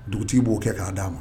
Dugutigi b'o kɛ k'a d'a ma